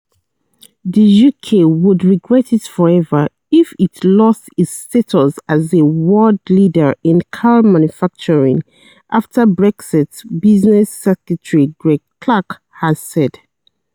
The UK "would regret it forever" if it lost its status as a world leader in car manufacturing after Brexit, Business Secretary Greg Clark has said.